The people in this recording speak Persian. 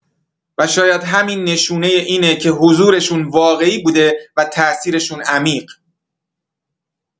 و شاید همین نشونه اینه که حضورشون واقعی بوده و تاثیرشون عمیق.